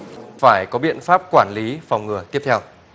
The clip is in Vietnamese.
phải có biện pháp quản lý phòng ngừa tiếp theo